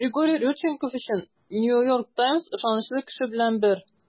Григорий Родченков өчен The New York Times ышанычлы кеше белән бер.